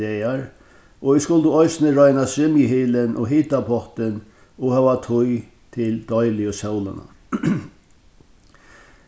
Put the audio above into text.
dagar og vit skuldu eisini royna svimjihylin og hitapottin og hava tíð til deiligu sólina